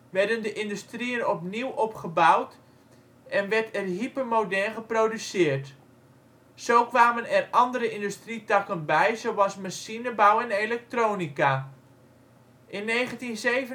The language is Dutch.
werden de industrieën opnieuw opgebouwd en werd er hypermodern geproduceerd. Zo kwamen er andere industrietakken bij zoals machinebouw en elektronica. In 1957/1958